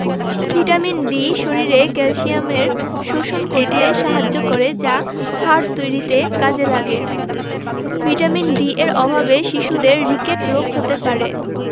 vitamin D শরীরে calcium শোষণ করতে সাহায্য করে যা হাড় তৈরীর কাজে লাগে ভিটামিন ডি এর অভাবে শিশুদের রিকেট রোগ হতে পারে